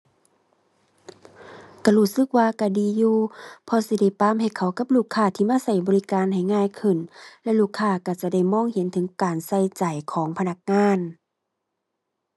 ก็รู้สึกว่าก็ดีอยู่ เพราะสิได้ปรับให้เข้ากับลูกค้าที่มาก็บริการให้ง่ายขึ้น และลูกค้าก็จะได้มองเห็นถึงการใส่ใจของพนักงาน